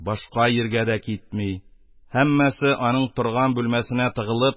Башка йиргә дә китми; һәммәсе аның торган бүлмәсенә тыгылып